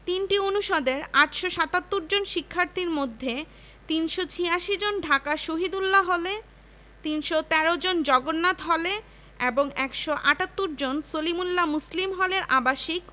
৩টি অনুষদের ৮৭৭ জন শিক্ষার্থীর মধ্যে ৩৮৬ জন ঢাকা শহীদুল্লাহ হলে ৩১৩ জন জগন্নাথ হলে এবং ১৭৮ জন সলিমুল্লাহ মুসলিম হলের আবাসিক